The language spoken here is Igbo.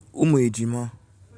ụmụ̄ejima